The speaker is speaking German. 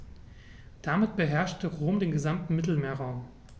Damit beherrschte Rom den gesamten Mittelmeerraum.